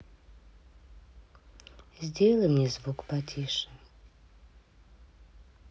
сделай мне звук потише